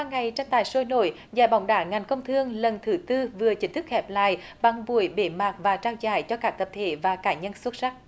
ba ngày tranh tài sôi nổi giải bóng đá ngành công thương lần thứ tư vừa chính thức khép lại bằng buổi bế mạc và trao giải cho cả tập thể và cá nhân xuất sắc